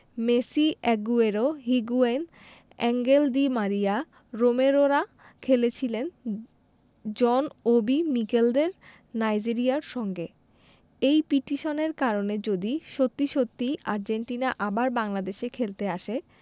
Messi Aguero Higuain Angel Di Maria রোমেরোরা খেলেছিলেন John Obi মিকেলদের নাইজেরিয়ার সঙ্গে এই পিটিশনের কারণে যদি সত্যি সত্যিই আর্জেন্টিনা আবার বাংলাদেশে খেলতে আসে